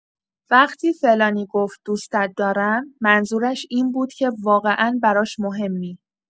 وقتی فلانی گفت "دوستت دارم"، منظورش این بود که واقعا براش مهمی!